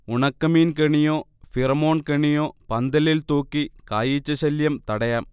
ഉണക്കമീൻ കെണിയോ, ഫിറമോൺ കെണിയോ പന്തലിൽ തൂക്കി കായീച്ചശല്യം തടയാം